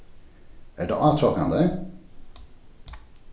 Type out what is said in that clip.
er tað átrokandi